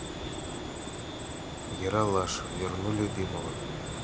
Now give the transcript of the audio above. ералаш верну любимого